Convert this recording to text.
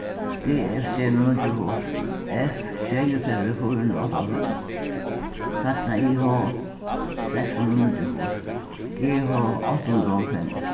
d s sjey hundrað og níggjuogfýrs f sjeyogtretivu fýra hundrað og áttaoghálvfems y h seks hundrað og níggjuogfýrs g h átta hundrað og hálvfems